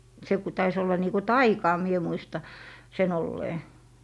se kun taisi olla niin kuin taikaa minä muistan sen olleen